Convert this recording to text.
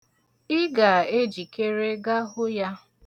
Ị ga-ejikere ga hụ ya.